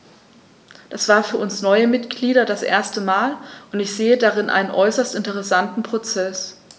Das war für uns neue Mitglieder das erste Mal, und ich sehe darin einen äußerst interessanten Prozess.